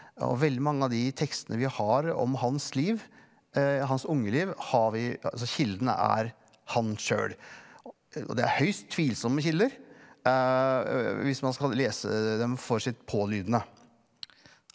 og veldig mange av de tekstene vi har om hans liv hans unge liv har vi altså kildene er han sjøl og det er høyst tvilsomme kilder hvis man skal lese dem for sitt pålydende.